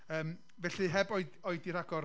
Yym. Felly, heb oe- oedi rhagor